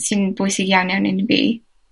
sy'n bwysig iawn iawn iawn i fi,